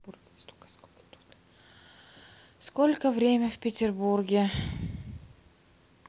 сколько время в петербурге